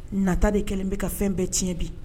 Nata de kɛlen bɛ ka fɛn bɛ cɛn bi